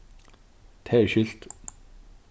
tað er skilt